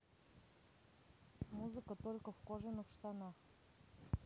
музыка только в кожаных штанах